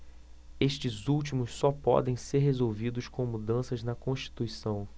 estes últimos só podem ser resolvidos com mudanças na constituição